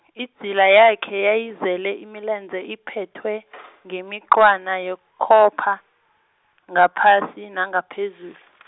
idzila yakhe yayizele imilenze iphethwe, ngemiqwana yekhopha, ngaphasi nangaphezulu.